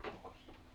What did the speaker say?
- lukossa